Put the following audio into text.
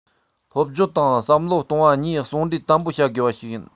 སློབ སྦྱོང དང བསམ བློ གཏོང བ གཉིས ཟུང འབྲེལ དམ པོ བྱ དགོས པ ཞིག ཡིན